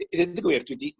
d- i ddeud y gwir dwi 'di